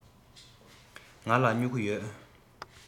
ང ལ སྨྱུ གུ ཡོད